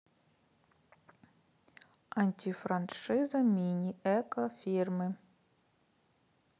антифраншиза мини эко фирмы